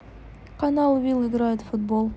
canal will играет в футбол